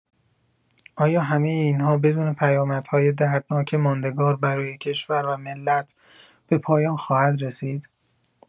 آیا همه این‌ها بدون پیامدهای دردناک ماندگار برای کشور و ملت، به پایان خواهد رسید؟